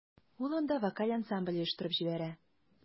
Ул анда вокаль ансамбль оештырып җибәрә.